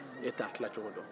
e t'a tilacogo dɔn